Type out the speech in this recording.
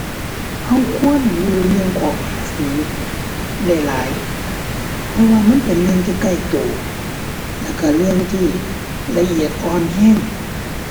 เราควรรู้เรื่องของภาษีได้หลาย เพราะว่ามันเป็นเรื่องที่ใกล้เรา แล้วเราเรื่องที่ละเอียดอ่อนเรา